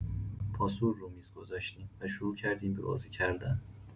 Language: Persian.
پاسور رو میز گذاشتیم و شروع کردیم به بازی‌کردن.